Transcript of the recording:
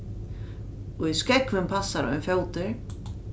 í skógvin passar ein fótur